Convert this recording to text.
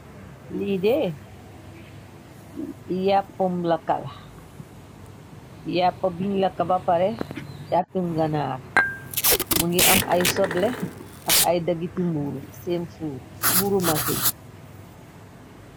liidee yàppam lakal yàppa biñ lakabapare yàppim ganaar mu ngi am ay soble ak ay dagitu muuru seen mbuuru masiñ